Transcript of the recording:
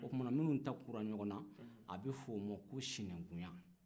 o tuma na minnu ta kura ɲɔgɔn na a bɛ f'o ma ko sinankunya